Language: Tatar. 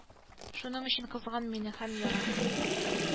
Шуның өчен кызган мине һәм ярат